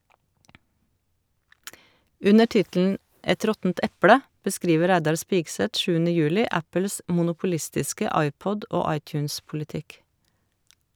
Under tittelen "Et råttent eple" beskriver Reidar Spigseth Apples monopolistiske iPod- og iTunes-politikk.